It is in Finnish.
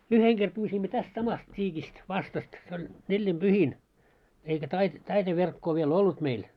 yhden kerran pyysimme tästä samasta tiikistä vastasta se oli neljinpyhin eikä - taite verkkoa vielä ollut meillä